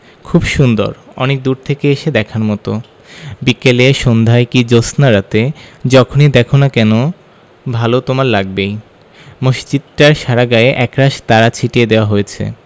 খুব সুন্দর অনেক দূর থেকে এসে দেখার মতো বিকেলে সন্ধায় কি জ্যোৎস্নারাতে যখনি দ্যাখো না কেন ভালো তোমার লাগবেই মসজিদটার সারা গায়ে একরাশ তারা ছিটিয়ে দেয়া হয়েছে